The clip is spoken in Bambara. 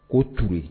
Ko tile